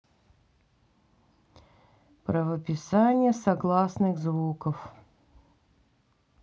правописание согласных звуков